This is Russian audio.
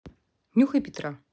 нюхай петра